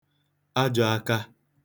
ajọ̄ākā